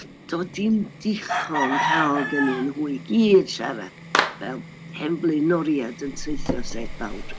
Doedd dim dichon cael gennyn nhw i gyd siarad fel hen flaenoriaed yn traethu o sêt fawr.